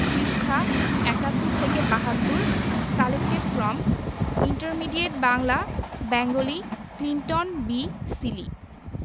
পৃষ্ঠা ৭১ থেকে ৭২ collected from intermediate Bangla Bengali Clinton B Seely